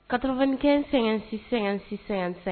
Katokɛ sɛgɛn-sɛ-sɛsɛ